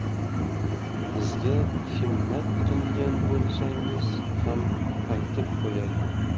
bizga himmat qilgan bo'lsangiz ham aytib qo'yay